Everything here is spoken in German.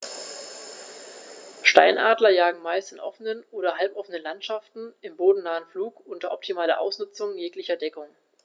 Steinadler jagen meist in offenen oder halboffenen Landschaften im bodennahen Flug unter optimaler Ausnutzung jeglicher Deckung.